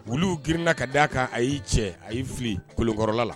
Oluu girinna ka d' a kan a y'i cɛ a y'i fili kolonkɔrɔla la